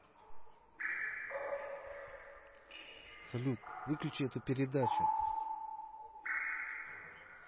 салют выключи эту передачу